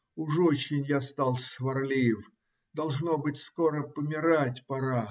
Уж очень я стал сварлив; должно быть, скоро помирать пора.